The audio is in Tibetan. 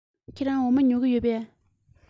ཁྱེད རང འོ མ ཉོ གི ཡོད པས